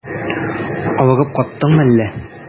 Авырып кайттыңмы әллә?